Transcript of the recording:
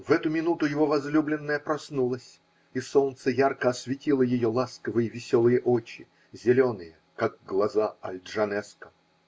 В эту минуту его возлюбленная проснулась, и солнце ярко осветило ее ласковые, веселые очи, зеленые, как глаза Аль-Джанеско.